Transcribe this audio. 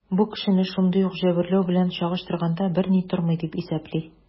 Бу кешене шундый ук җәберләү белән чагыштырганда берни тормый, дип исәпли.